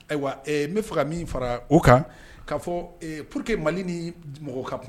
Ayiwa n bɛ faga min fara o kan k'a fɔ pur que mali ni mɔgɔ ka kuma